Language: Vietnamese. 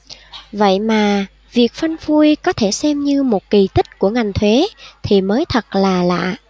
vậy mà việc phanh phui có thể xem như một kỳ tích của ngành thuế thì mới thật là lạ